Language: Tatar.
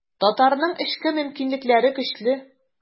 Татарның эчке мөмкинлекләре көчле.